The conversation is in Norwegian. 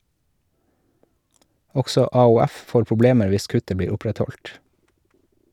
Også AOF får problemer hvis kuttet blir opprettholdt.